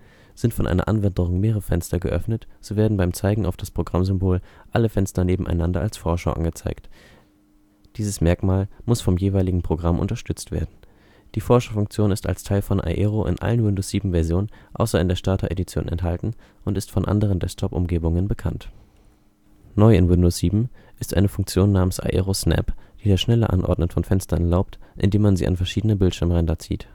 von einer Anwendung mehrere Fenster geöffnet, so werden beim Zeigen auf das Programmsymbol alle Fenster nebeneinander als Vorschau gezeigt, dieses Merkmal muss vom jeweiligen Programm unterstützt werden. Die Vorschaufunktion ist als Teil von Aero in allen Windows-7-Versionen außer in der Starter-Edition enthalten und ist von anderen Desktop-Umgebungen bekannt. Neu in Windows 7 ist eine Funktion namens „ Aero Snap “, die das schnelle Anordnen von Fenstern erlaubt, indem man sie an verschiedene Bildschirmränder zieht